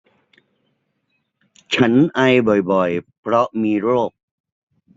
ฉันไอบ่อยบ่อยเพราะมีโรค